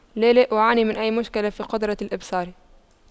لا لا أعاني من أي مشكلة في قدرة الإبصار